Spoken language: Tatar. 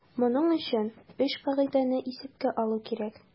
Моның өчен өч кагыйдәне исәпкә алу кирәк.